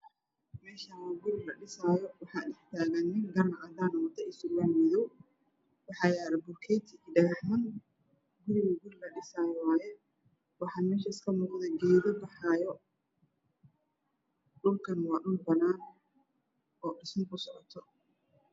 Meeshaan waa gurri la dhisaayo waxa dhaxtaagan nin garran caddaan iyo surwaal madow waxa yaallo bulkeeti dhagaxman gurri la dhisaayo waaye waxa meesha ka muuqdo geeddo baxaayo dhulkaan waa dhul bannaan oo dhismo ku socoto